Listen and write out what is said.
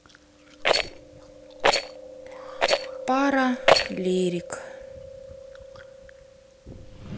пара лирик